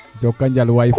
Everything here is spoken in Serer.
jokonjal waay Faye